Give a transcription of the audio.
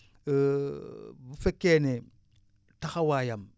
bu fekkee ne taxawaayam